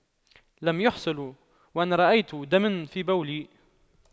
لم يحصل وأن رأيت دما في بولي